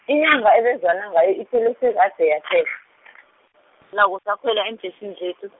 inyanga ebezwana ngayo iphele sekade yaphela , nako sakhwela ngeembhesini zethu.